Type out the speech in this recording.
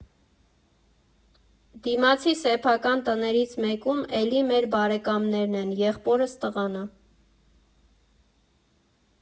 Դիմացի սեփական տներից մեկում էլի մեր բարեկամներն են, եղբորս տղան ա։